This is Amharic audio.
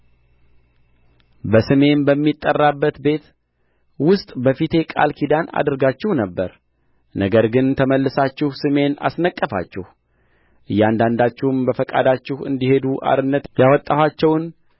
በስሜም በሚጠራበት ቤት ውስጥ በፊቴ ቃል ኪዳን አድርጋችሁ ነበር ነገር ግን ተመልሳችሁ ስሜን አስነቀፋችሁ እያንዳንዳችሁም በፈቃዳቸው እንዲሄዱ አርነት ያወጣችኋቸውን